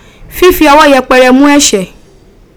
Fifi owo yepere mu ese.